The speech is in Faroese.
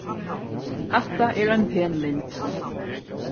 hatta er ein pen mynd